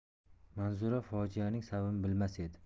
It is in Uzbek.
manzura fojianing sababini bilmas edi